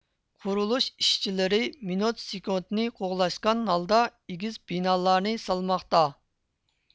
قۇرۇلۇش ئىشچىلىرى مىنۇت سېكۇنتنى قوغلاشقان ھالدا ئېگىز بىنالارنى سالماقتا